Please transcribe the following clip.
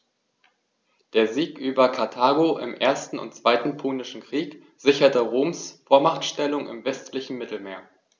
Der Sieg über Karthago im 1. und 2. Punischen Krieg sicherte Roms Vormachtstellung im westlichen Mittelmeer.